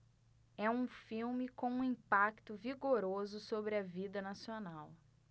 é um filme com um impacto vigoroso sobre a vida nacional